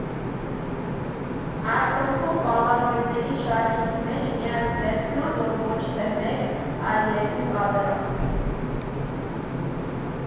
Արդյունքում պալառոիդների շարքիս մեջ միակ դեպքն ա, որ ոչ թե մեկ, այլ երկու կադր ա.